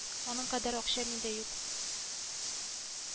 Аның кадәр акча миндә юк